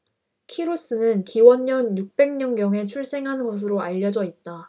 키루스는 기원전 육백 년경에 출생한 것으로 알려져 있다